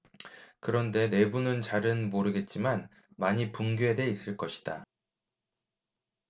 그런데 내부는 잘은 모르겠지만 많이 붕괴돼 있을 것이다